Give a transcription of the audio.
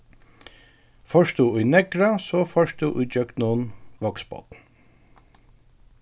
fórt tú í neðra so fórt tú í gjøgnum vágsbotn